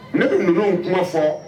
Ne bɛ ninnu kuma fɔ